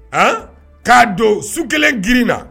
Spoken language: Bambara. A k'a don su kelen girin na